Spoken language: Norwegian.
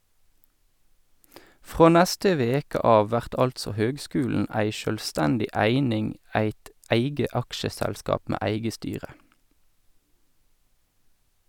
Frå neste veke av vert altså høgskulen ei sjølvstendig eining, eit eige aksjeselskap med eige styre.